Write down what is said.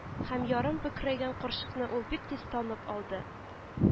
Һәм ярым бөкрәйгән карчыкны ул бик тиз танып алды